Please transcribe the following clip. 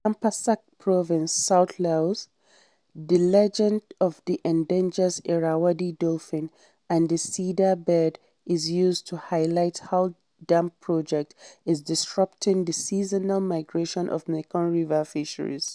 In Champasak Province, south Laos, the legend of the endangered Irrawaddy dolphin and the Sida bird is used to highlight how a dam project is disrupting the seasonal migration of Mekong River fisheries.